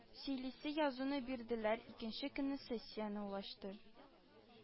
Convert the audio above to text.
Сөйлисе язуны бирделәр, икенче көнне сессияне ул ачты